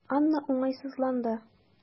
Анна уңайсызланды.